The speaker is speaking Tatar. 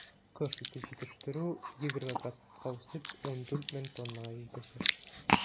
Кош ите җитештерү, 20 процентка үсеп, 14 мең тоннага җитәчәк.